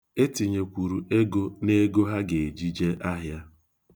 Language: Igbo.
E tinyekwuru ego n'ego ha ga e ji je ahịa.